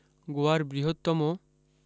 গোয়ার বৃহত্তম